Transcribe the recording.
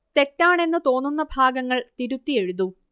തെറ്റാണെന്ന് തോന്നുന്ന ഭാഗങ്ങൾ തിരുത്തി എഴുതൂ